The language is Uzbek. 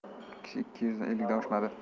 ikkinchisi ikki yuz ellikdan oshmadi